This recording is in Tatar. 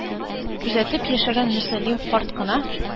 Күзәтеп яшәгән мөсәллим карт кына